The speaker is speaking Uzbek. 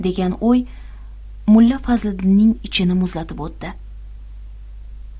degan o'y mulla fazliddinning ichini muzlatib o'tdi